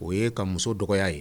O ye ka muso dɔgɔya ye